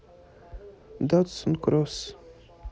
датсун кросс